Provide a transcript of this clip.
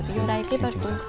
đây tôi